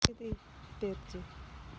ты ты вперди